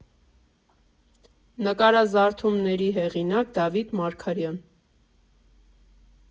Նկարազարդումների հեղինակ՝ Դավիթ Մարգարյան։